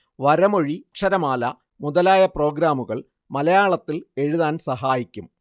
വരമൊഴി അക്ഷരമാല മുതലായ പ്രോഗ്രാമുകൾ മലയാളത്തിൽ എഴുതാൻ സഹായിക്കും